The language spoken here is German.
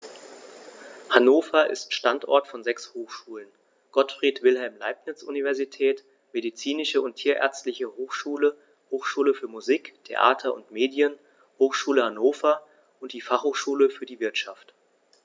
Hannover ist Standort von sechs Hochschulen: Gottfried Wilhelm Leibniz Universität, Medizinische und Tierärztliche Hochschule, Hochschule für Musik, Theater und Medien, Hochschule Hannover und die Fachhochschule für die Wirtschaft.